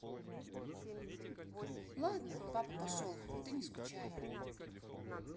ладно папа пошел ты не скучай